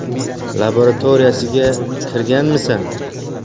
laboratoriyasiga kirganmisan